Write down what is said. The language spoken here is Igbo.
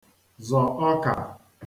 zọ̀ ọkà